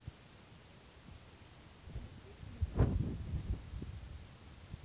не сыпь мне соль на рану